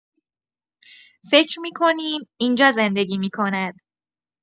فکر می‌کنیم، اینجا زندگی می‌کند.